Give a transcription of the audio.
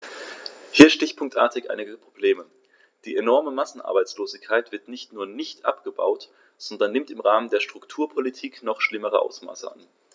Hier stichpunktartig einige Probleme: Die enorme Massenarbeitslosigkeit wird nicht nur nicht abgebaut, sondern nimmt im Rahmen der Strukturpolitik noch schlimmere Ausmaße an.